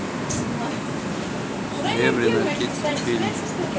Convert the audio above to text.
серебряная птица фильм